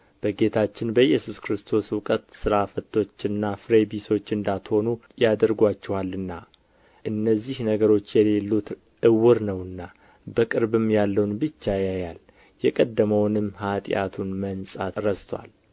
በጌታችን በኢየሱስ ክርስቶስ እውቀት ሥራ ፈቶችና ፍሬ ቢሶች እንዳትሆኑ ያደርጉአችኋልና እነዚህ ነገሮች የሌሉት ዕውር ነውና በቅርብም ያለውን ብቻ ያያል የቀደመውንም ኃጢአቱን መንጻት ረስቶአል